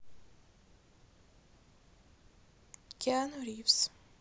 киану ривз